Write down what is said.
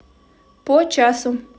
по часу